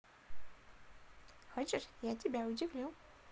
хочешь я тебя удивлю